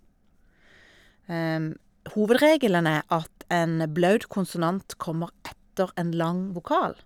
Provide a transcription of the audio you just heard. Hovedregelen er at en blaut konsonant kommer etter en lang vokal.